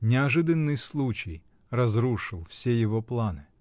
Неожиданный случай разрушил все его планы.